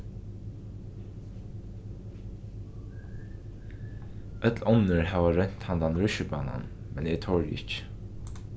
øll onnur hava roynt handan russjibanan men eg tori ikki